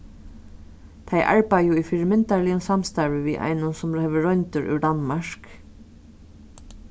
tey arbeiða í fyrimyndarligum samstarvi við einum sum hevur royndir úr danmark